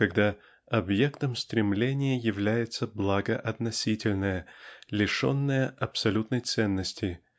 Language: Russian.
когда объектом стремления является благо относительное лишенное абсолютной ценности